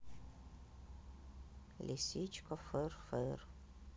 лисичка фыр фыр